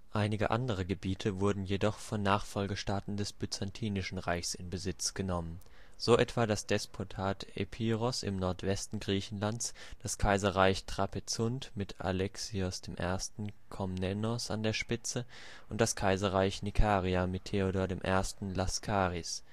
Einige andere Gebiete wurden jedoch von Nachfolgestaaten des Byzantinischen Reichs in Besitz genommen, so etwa das Despotat Epiros im Nordwesten Griechenlands, das Kaiserreich Trapezunt mit Alexios I. Komnenos an der Spitze, und das Kaiserreich Nikaia mit Theodor I. Laskaris